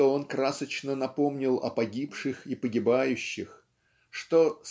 что он красочно напомнил о погибших и погибающих что